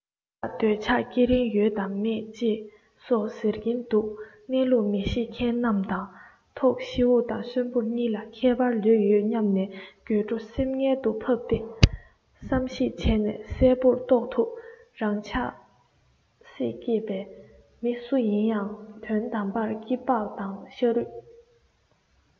འདི ལ འདོད ཆགས སྐྱེ རིན ཡོད དམ མེད ཅེས སོགས ཟེར གྱིན འདུག གནས ལུགས མི ཤེས མཁན རྣམས དང ཐོག ཤི བོ དང གསོན པོ གཉིས ལ ཁྱད པར ལོས ཡོད སྙམ ནས དགོད བྲོ སེམས རྣལ དུ ཕབ སྟེ བསམ གཞིགས བྱས ན གསལ བོར རྟོགས ཐུབ རང ཆགས སྲེད སྐྱེས པའི མི སུ ཡིན ཡང དོན དམ པར སྐྱི པགས དང ཤ རུས